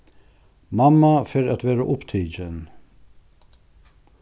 mamma fer at verða upptikin